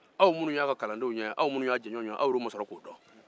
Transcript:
aw minnu y'a ka kalanden n'a jɛɲɔgɔnw aw ma sɔrɔ k'o dɔn